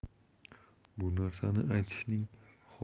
bu narsani aytishning hojati yo'q